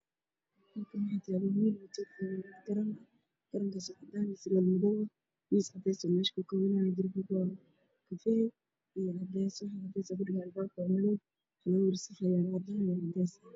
Halkaan waxaa taagan wiil wato garan cadaan ah iyo surwaal madow ah, miis cadeys meesha yaalo, darbiga waa kafay iyo cadeys, wax madow ah ayaa kudhagan darbiga, falaawar waxaa yaalo qaxwi iyo cadeys ah.